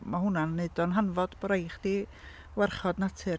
Ma' hwnna'n wneud o'n hanfod bo' rhaid chdi warchod natur.